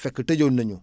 fekk tëjoon nañu